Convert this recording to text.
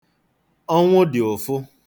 Ọnwụ dị ụfụ.